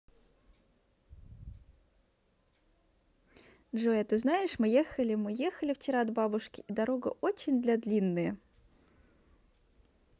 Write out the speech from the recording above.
джой а ты знаешь мы ехали мы ехали вчера от бабушки и дорога очень для длинная